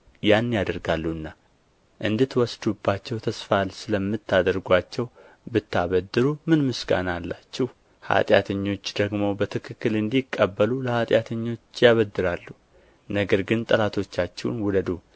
ያን ያደርጋሉና እንድትወስዱባቸው ተስፋ ለምታደርጉአቸው ብታበድሩ ምን ምስጋና አላችሁ ኃጢአተኞች ደግሞ በትክክል እንዲቀበሉ ለኃጢአተኞች ያበድራሉ ነገር ግን ጠላቶቻችሁን ውደዱ